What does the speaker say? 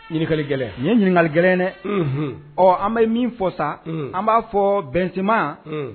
Ɲininkakali gɛlɛn ye ɲininkakali gɛlɛngɛ dɛ ɔ an bɛ min fɔ sa an b'a fɔ bɛnma